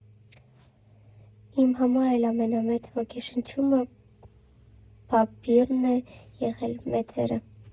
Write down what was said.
Իմ համար էլ ամենամեծ ոգեշնչումը Բամբիռն է եղել, մեծերը։